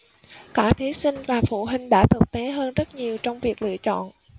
cả thí sinh và phụ huynh đã thực tế hơn rất nhiều trong việc lựa chọn